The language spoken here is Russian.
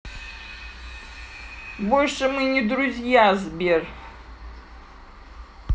больше мы не друзья сбер